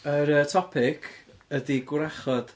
Yr yy topic ydy gwrachod.